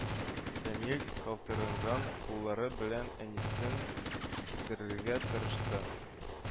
Фәнил калтыранган куллары белән әнисен күтәрергә тырышты